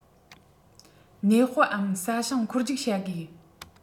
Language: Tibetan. གནས སྤོའམ ས ཞིང འཁོར རྒྱུག བྱ དགོས